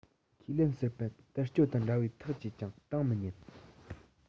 ཁས ལེན སུར པན ཏིལ སྐྱོ དང འདྲ བས ཐག བཅད ཅིང བཏང མི ཉན